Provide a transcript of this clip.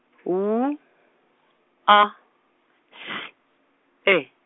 W, A, S, E.